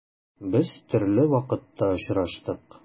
Без төрле вакытта очраштык.